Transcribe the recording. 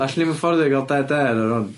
Alla ni'm afforddio ga'l dead air ar 'wn.